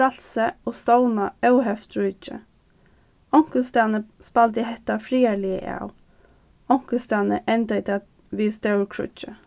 frælsi og stovnað óheft ríki onkustaðni spældi hetta friðarliga av onkustaðni endaði tað við stórkríggi